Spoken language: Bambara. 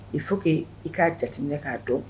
I fo que i k'a jateminɛ k'a dɔn